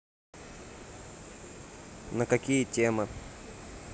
на какие темы